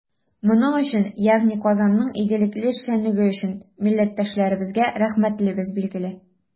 Моның өчен, ягъни Казанның игелекле эшчәнлеге өчен, милләттәшләребезгә рәхмәтлебез, билгеле.